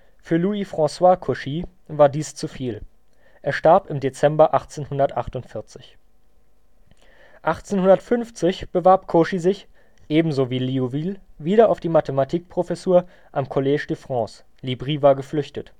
Für Louis François Cauchy war dies zu viel: er starb im Dezember 1848. 1850 bewarb Cauchy sich, ebenso wie Liouville, wieder auf die Mathematikprofessur am Collège de France – Libri war geflüchtet